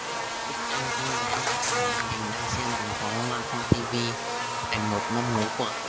bức tranh con vẽ là cả gia đình đang xem bắn pháo hoa qua ti vi cạnh một mâm ngũ quả